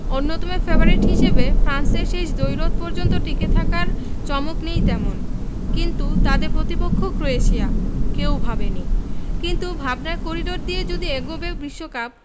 অন্যতম ফেভারিট হিসেবে ফ্রান্সের শেষ দ্বৈরথ পর্যন্ত টিকে থাকার চমক নেই তেমন কিন্তু তাদের প্রতিপক্ষ ক্রোয়েশিয়া কেউ ভাবেননি কিন্তু ভাবনার করিডর দিয়েই যদি এগোবে বিশ্বকাপ